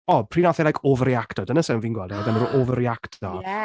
O, pryd wnaeth e like ofyrïactio. Dyna sut fi’n gweld e, 'I'm going to overreact now... Ie!